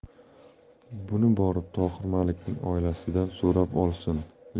buni borib tohir malikning oilasidan so'rab olsin